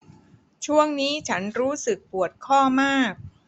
ช่วงนี้ฉันรู้สึกปวดข้อมาก